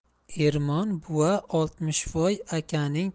ermon buva oltmishvoy akaning